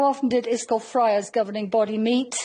How often did Yscol Friars' governing body meet?